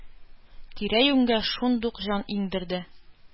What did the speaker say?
Тирә-юньгә шундук җан иңдерде.